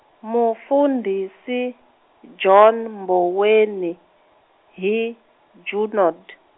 mufundhisi, John Mboweni, hi Junod.